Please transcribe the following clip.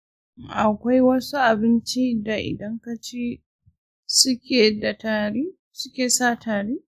shin akwai wasu abinci da idan ka ci suke sa ka tari?